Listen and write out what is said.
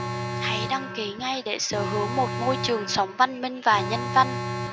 hãy đăng ký ngay để sở hữu một môi trường sống văn minh và nhân văn